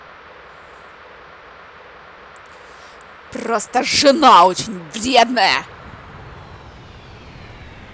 просто жена очень вредная